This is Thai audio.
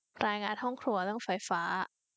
รายงานห้องครัวเรื่องไฟฟ้า